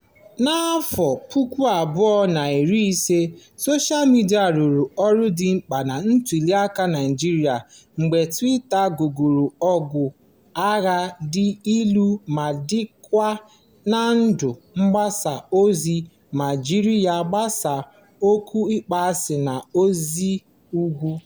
N'afọ 2015, soshaa midịa rụrụ ọrụ dị mkpa na ntụliaka Naịjirịa mgbe Twitter ghọrọ ọgbọ agha dị ilu ma dị nkewa n'udu mgbasa ozi ma jiri ya gbasaa okwu ịkpọasị na ozi ụgha.